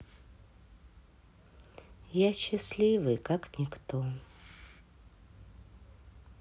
я счастливый как никто